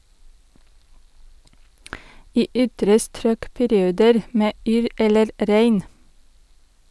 I ytre strøk perioder med yr eller regn.